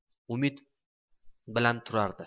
umid bilan turardi